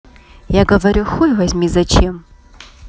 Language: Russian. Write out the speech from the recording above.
я говорю хуй возьми зачем